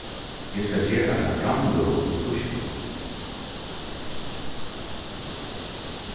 eg skal gera eina framløgu í týskum